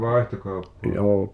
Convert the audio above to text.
vaihtokauppaa